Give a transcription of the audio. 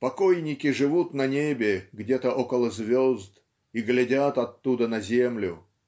Покойники живут на небе где-то около звезд и глядят оттуда на землю.